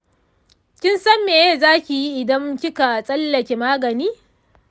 kinsan mene zaki yi idan kika tsallake magani?